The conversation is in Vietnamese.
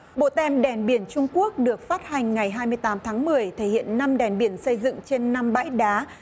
bộ tem đèn biển trung quốc được phát hành ngày hai mươi tám tháng mười thể hiện năm đèn biển xây dựng trên năm bãi đá